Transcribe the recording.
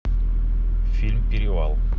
фильм перевал